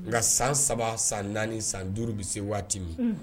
Nka san saba, san naani, san duuru bɛ se waati min